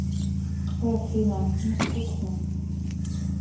ой афина не скучно